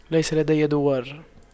ليس لدي دوار